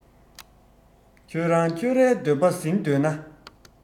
ཁྱོད རང ཁྱོད རའི འདོད པ ཟིན འདོད ན